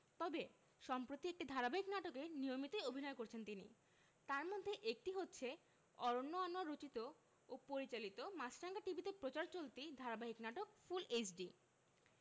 তবে সম্প্রতি কয়েকটি ধারাবাহিক নাটকে নিয়মিতই অভিনয় করছেন তিনি তার মধ্যে একটি হচ্ছে অরন্য আনোয়ার রচিত ও পরিচালিত মাছরাঙা টিভিতে প্রচার চলতি ধারাবাহিক নাটক ফুল এইচডি